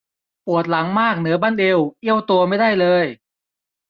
ปวดหลังมากเหนือบั้นเอวเอี้ยวตัวไม่ได้เลย